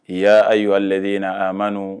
I y'a a y'waa lajɛde in na a ma